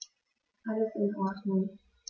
Alles in Ordnung.